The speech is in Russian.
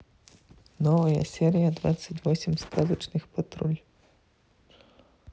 новая серия двадцать восьмая сказочный патруль